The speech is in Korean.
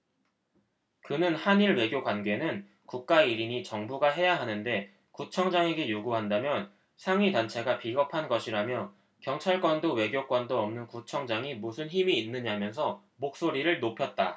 그는 한 일 외교관계는 국가일이니 정부가 해야하는데 구청장에게 요구한다면 상위 단체가 비겁한 것이라며 경찰권도 외교권도 없는 구청장이 무슨 힘이 있느냐면서 목소리를 높였다